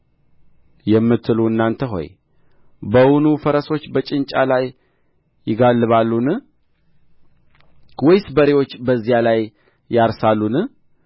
የምትሉ እናንተ ሆይ በውኑ ፈረሶች በጭንጫ ላይ ይጋልባሉን ወይስ በሬዎች በዚያ ላይ ያርሳሉን